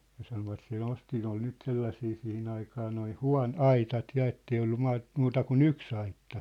ja sanoivat se nosti ne oli nyt sellaisia siihen aikaan nuo - aitat ja että ei ollut - muuta kuin yksi aitta